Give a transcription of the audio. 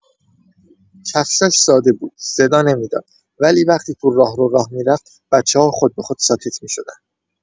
کفشاش ساده بود، صدا نمی‌داد، ولی وقتی تو راهرو راه می‌رفت، بچه‌ها خودبه‌خود ساکت می‌شدن.